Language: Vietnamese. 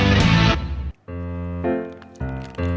ăn vặt trong